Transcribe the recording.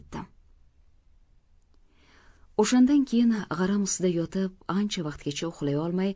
o'shandan keyin g'aram ustida yotib ancha vaqtgacha uxlay olmay